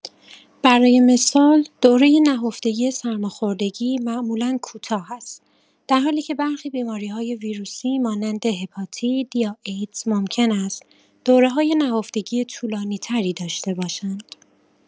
برای مثال، دوره نهفتگی سرماخوردگی معمولا کوتاه است، در حالی که برخی بیماری‌های ویروسی مانند هپاتیت یا ایدز ممکن است دوره‌های نهفتگی طولانی‌تری داشته باشند.